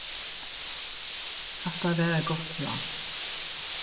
hatta var eitt gott ráð